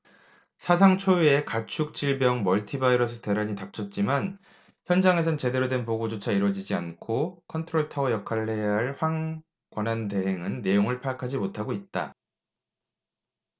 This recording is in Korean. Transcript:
사상 초유의 가축 질병 멀티 바이러스 대란이 닥쳤지만 현장에선 제대로 된 보고조차 이뤄지지 않고 컨트롤타워 역할을 해야 할 황 권한대행은 내용을 파악하지 못하고 있다